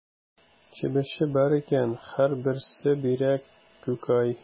Чебеше бар икән, һәрберсе бирә күкәй.